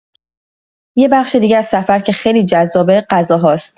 یه بخش دیگه از سفر که خیلی جذابه، غذاهاست!